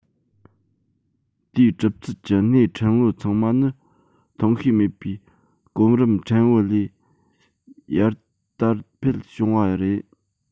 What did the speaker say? དེའི གྲུབ ཚུལ གྱི གནས ཕྲན བུ ཚང མ ནི མཐོང ཤེས མེད པའི གོམ རིམ ཕྲན བུ ལས ཡར དར འཕེལ བྱུང བ རེད